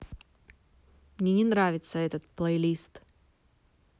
мне не нравится этот плейлист